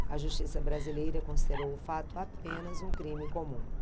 a justiça brasileira considerou o fato apenas um crime comum